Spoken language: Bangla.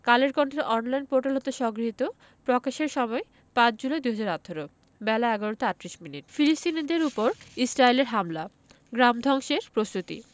কালের কন্ঠের অনলাইন পোর্টাল হতে সংগৃহীত প্রকাশের সময় ৫ জুলাই ২০১৮ বেলা ১১টা ৩৮ মিনিট ফিলিস্তিনিদের ওপর ইসরাইলের হামলা গ্রাম ধ্বংসের প্রস্তুতি